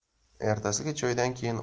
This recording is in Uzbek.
ertasiga choydan keyin